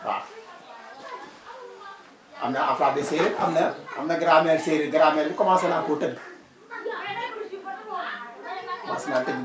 waaw am na alphabet séeréer am na am na grammaire séeréer grammaire bi commencer naa koo tënk coomencé naa tënk